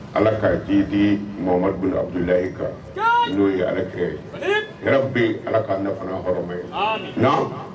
Ala ka ji di mamamadudu a bila e kan n'o ye ale tigɛ ye yɛrɛ bɛ ala k' fana ye